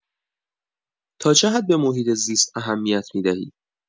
تا چه حد به محیط‌زیست اهمیت می‌دهی؟